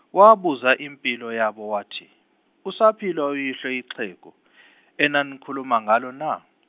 wabuza impilo yabo wathi, usaphila uyihlo ixhegu , enanikhuluma ngalo na?